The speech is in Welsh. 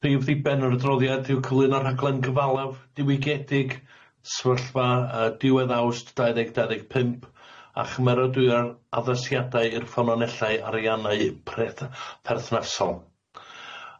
Prif ddiben yr adroddiad yw cyflwyno rhaglen cyfalaf diwygiedig sefyllfa yy diwedd Awst dau ddeg dau ddeg pump a chymerodwyr addasiadau i'r ffynonellau ariannau preth- perthnasol.